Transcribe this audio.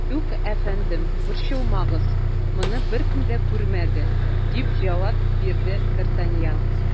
Юк, әфәндем, борчылмагыз, моны беркем дә күрмәде, - дип җавап бирде д ’ Артаньян.